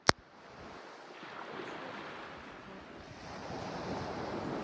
включи россия спорт